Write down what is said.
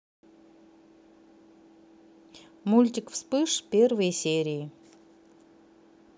мультик вспыш первые серии